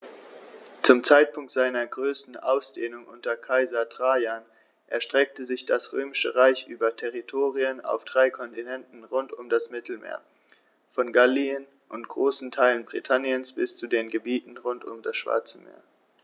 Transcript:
Zum Zeitpunkt seiner größten Ausdehnung unter Kaiser Trajan erstreckte sich das Römische Reich über Territorien auf drei Kontinenten rund um das Mittelmeer: Von Gallien und großen Teilen Britanniens bis zu den Gebieten rund um das Schwarze Meer.